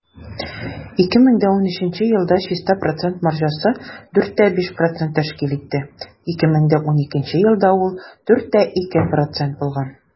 2013 елда чиста процент маржасы 4,5 % тәшкил итте, 2012 елда ул 4,2 % булган.